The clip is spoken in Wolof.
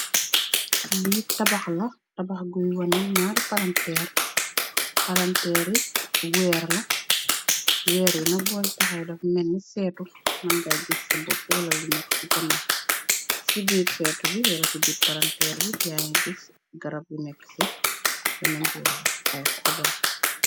Li tabax la, tabax guye wone ñaari palanteer. Palanteeri weer la, weer yi na boor ci taxawe daf menni seetu mun ngay gis sa bopp, walal li nekk ci gënnaw. Ci biir seetu bi wala ci bit palanteer bi yaaye gis garab bu nekk ci bennmboor bi ay hobam.